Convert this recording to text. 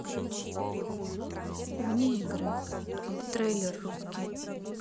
вне игры трейлер русский